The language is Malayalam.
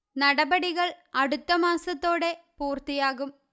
നടപടികള് അടുത്ത മാസത്തോടെ പൂര്ത്തിയാകും